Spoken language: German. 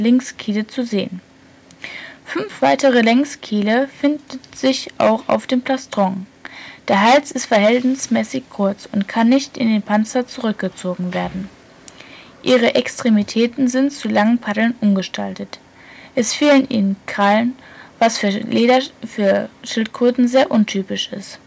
Längskiele zu sehen. Fünf weitere Längskiele finden sich auf dem Plastron. Der Hals ist verhältnismäßig kurz und kann nicht in den Panzer zurückgezogen werden. Ihre Extremitäten sind zu langen Paddeln umgestaltet. Es fehlen ihnen Krallen, was für Schildkröten sehr untypisch ist